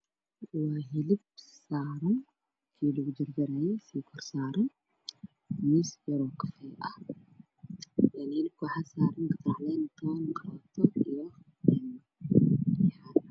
Waa miis waxaa saaran hilib lagu jarjarayo waxaa kaloo saaran kafee hilibka waa la karinayaa waxyar kadib